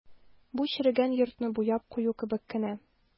Бу черегән йортны буяп кую кебек кенә.